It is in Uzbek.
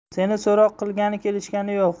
seni so'roq qilgani kelishgani yo'q